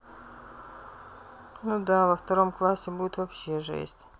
ну да во втором классе будет вообще жесть